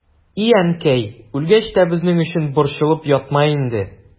И әнкәй, үлгәч тә безнең өчен борчылып ятма инде.